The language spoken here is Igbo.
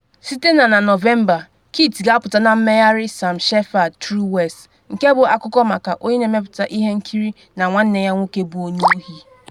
Site na na Novemba Kit ga-apụta na mmegharị Sam Shepard True West nke bụ akụkọ maka onye na-emepụta ihe nkiri na nwanne ya nwoke, bụ onye ohi.